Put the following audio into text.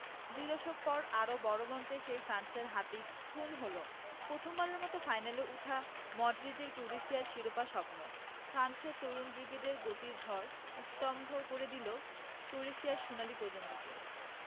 দুই দশক পর আরও বড় মঞ্চে সেই ফ্রান্সের হাতেই খুন হল প্রথমবারের মতো ফাইনালে ওঠা মডরিচের ক্রোয়েশিয়ার শিরোপা স্বপ্ন ফ্রান্সের তরুণ ব্রিগেডের গতির ঝড় স্তব্ধ করে দিল ক্রোয়েশিয়ার সোনালি প্রজন্মকে